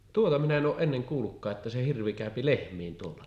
tuota minä en ole ennen kuullutkaan että se hirvi käy lehmiin tuolla